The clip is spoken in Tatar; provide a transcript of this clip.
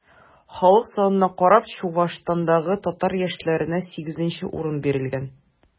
Халык санына карап, Чуашстандагы татар яшьләренә 8 урын бирелгән.